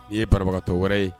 I ye pabakantɔ wɛrɛ ye